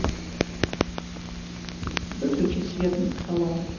выключи свет над столом